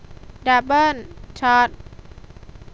ดับเบิ้ลช็อต